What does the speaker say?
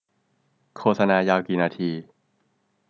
โฆษณายาวกี่นาที